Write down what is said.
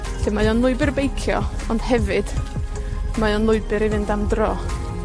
Felly, mae o'n lwybyr beicio ond hefyd, mae o lwybyr in mynd am dro.